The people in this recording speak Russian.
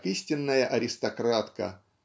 как истинная аристократка